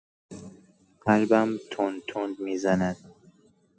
قلبم تند تند می‌زند.